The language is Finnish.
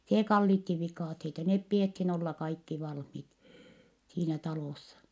se kallitsi viikatteita ne pidettiin olla kaikki valmiit siinä talossa